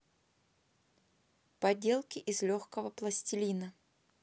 поделки из легкого пластилина